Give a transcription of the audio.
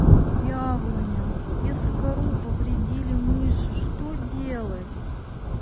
яблоня если кору повредили мыши что делать